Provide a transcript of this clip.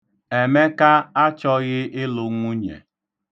Emeka achọghị ịlụ nwunye.